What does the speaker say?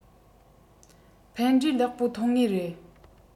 ཕན འབྲས ལེགས པོ ཐོན ངེས རེད